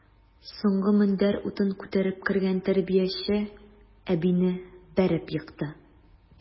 Соңгы мендәр утын күтәреп кергән тәрбияче әбине бәреп екты.